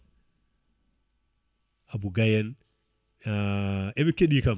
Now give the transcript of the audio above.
Abou Gaye en eɓe keeɗi kam